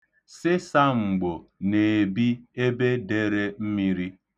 Sịsamgbo na-ebi ebe dere mmiri.